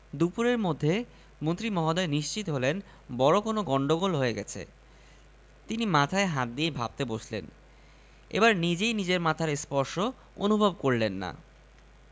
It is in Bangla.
মন্ত্রী মহোদয় বারান্দায় এসে দাঁড়ালেন রোদ উঠেছে আশপাশের সবকিছুর ছায়া পড়েছে অথচ তাঁর ছায়া পড়েনি আরে ভূত হয়ে গেলাম নাকি মনে মনে ভাবলেন তিনি